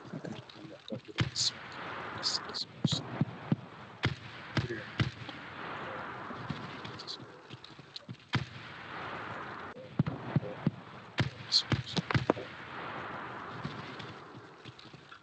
Waa guri dabaq dhismo ku socda